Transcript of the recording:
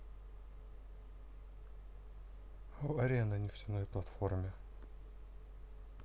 авария на нефтяной платформе